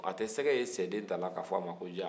a tɛ sɛgɛ ye sɛden tali la ka f'a ma ko jaa